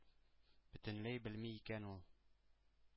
Бөтенләй белми икән ул.